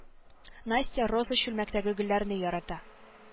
Настя роза чүлмәктәге гөлләрне ярата